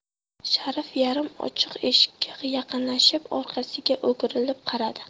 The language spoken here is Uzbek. sharif yarim ochiq eshikka yaqinlashib orqasiga o'girilib qaradi